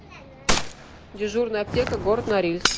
дежурная аптека город норильск